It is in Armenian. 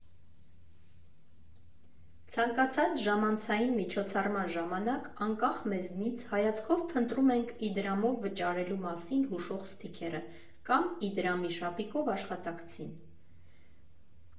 Ցանկացած ժամանցային միջոցառման ժամանակ, անկախ մեզնից, հայացքով փնտրում ենք Իդրամով վճարելու մասին հուշող սթիքերը կամ Իդրամի շապիկով աշխատակցին։